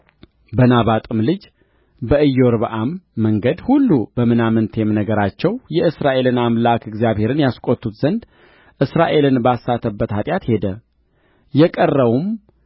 በናባጥም ልጅ በኢዮርብዓም መንገድ ሁሉ በምናምንቴም ነገራቸው የእስራኤልን አምላክ እግዚአብሔርን ያስቈጡት ዘንድ እስራኤልን ባሳተበት ኃጢአት ሄደ የቀረውም